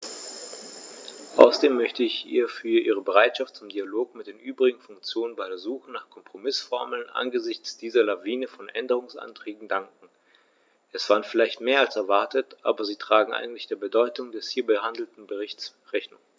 Außerdem möchte ich ihr für ihre Bereitschaft zum Dialog mit den übrigen Fraktionen bei der Suche nach Kompromißformeln angesichts dieser Lawine von Änderungsanträgen danken; es waren vielleicht mehr als erwartet, aber sie tragen eigentlich der Bedeutung des hier behandelten Berichts Rechnung.